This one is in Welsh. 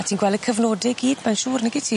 A ti'n gwel' y cyfnode i gyd mae'n siŵr nag yt ti?